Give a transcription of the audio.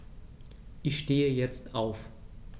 Ich stehe jetzt auf.